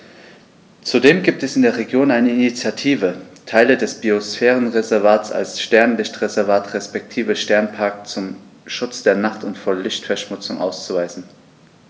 Zudem gibt es in der Region eine Initiative, Teile des Biosphärenreservats als Sternenlicht-Reservat respektive Sternenpark zum Schutz der Nacht und vor Lichtverschmutzung auszuweisen.